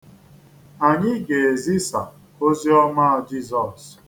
Anyị ga-ezisa oziọma Jizọs.